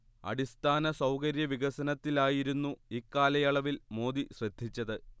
അടിസ്ഥാന സൗകര്യ വികസനത്തിലായിരുന്നു ഇക്കാലയളവിൽ മോദി ശ്രദ്ധിച്ചത്